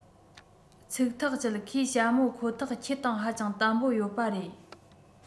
ཚིག ཐག བཅད ཁོས ཞྭ མོ ཁོ ཐག ཁྱེད དང ཧ ཅང བརྟན པོ ཡོད པ རེད